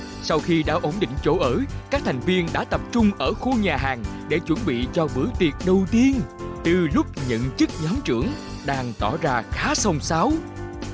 sau khi đã ổn định chỗ ở các thành viên đã tập trung ở khu nhà hàng để chuẩn bị cho bữa tiệc đầu tiên từ lúc nhận chức nhóm trưởng đan tỏ ra khá xông xáo